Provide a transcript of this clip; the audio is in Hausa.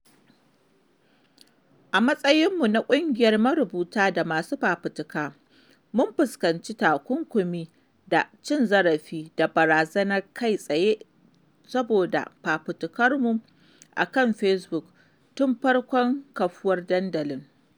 A matsayin mu na ƙungiyar marubuta da masu fafutuka, mun fuskanci takunkumi da cin zarafi da barazana kai tsaye saboda fafutukarmu a kan Facebook tun farkon kafuwar dandalin.